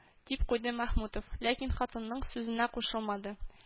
—дип куйды мәхмүтов, ләкин хатынының сүзенә кушылмады